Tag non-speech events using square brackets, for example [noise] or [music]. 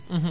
[hesitation] [hesitation]